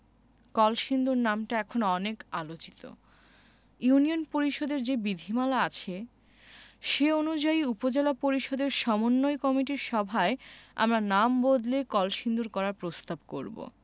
কলসিন্দুর নামটা এখন অনেক আলোচিত ইউনিয়ন পরিষদের যে বিধিমালা আছে সে অনুযায়ী উপজেলা পরিষদের সমন্বয় কমিটির সভায় আমরা নাম বদলে কলসিন্দুর করার প্রস্তাব করব